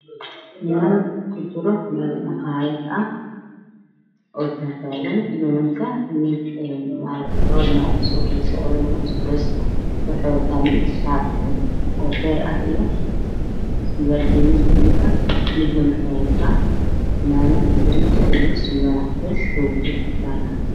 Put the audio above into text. Meeshaan waa meel maqaayad oo koofiya la